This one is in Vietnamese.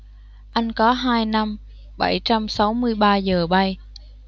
anh có hai năm bảy trăm sáu mươi ba giờ bay